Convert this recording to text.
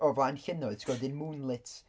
O flaen llynnoedd ti'n gwbod neu moonlit...